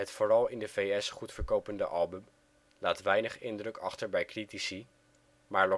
vooral in de V.S. goed verkopende album laat weinig indruk achter bij critici, maar